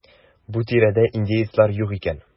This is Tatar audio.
Бу тирәдә индеецлар юк икән.